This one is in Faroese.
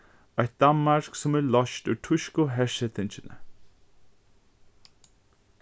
eitt danmark sum er loyst úr týsku hersetingini